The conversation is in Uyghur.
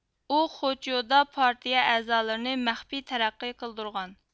ئۇ خوچيۇدا پارتىيە ئەزالىرىنى مەخپىي تەرەققىي قىلدۇرغان